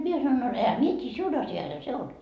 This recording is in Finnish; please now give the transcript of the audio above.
minä sanoin no enhän minä tiedä sinun asiasihan se on